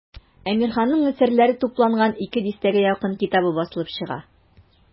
Әмирханның әсәрләре тупланган ике дистәгә якын китабы басылып чыга.